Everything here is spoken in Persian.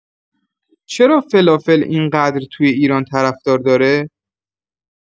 چرا فلافل این‌قدر توی ایران طرفدار داره؟